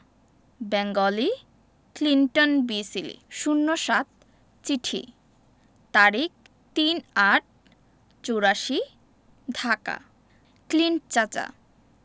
Bengali Clinton B সিলি ০৭ চিঠি তারিখ ৩৮৮৪ ঢাকা ক্লিন্ট চাচা